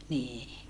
niin